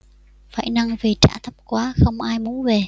phải nâng vì trả thấp quá không ai muốn về